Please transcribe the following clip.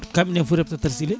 kamɓene ɓe tottata Sileye